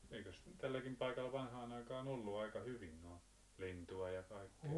eikös tälläkin paikalla vanhaan aikaan ollut aika hyvin noin lintua ja kaikkea